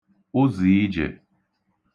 ụzìijè